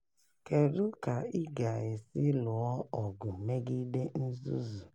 Kedu ka ị ga-esi lụọ ọgụ megide nzuzu?